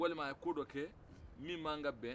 walima a ye ko dɔ kɛ min mank'a bɛn